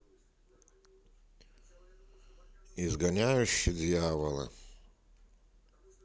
изгоняющий дьявола